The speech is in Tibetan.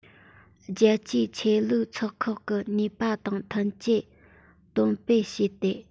རྒྱལ གཅེས ཆོས ལུགས ཚོགས ཁག གི ནུས པ དང མཐུན རྐྱེན འདོན སྤེལ བྱས ཏེ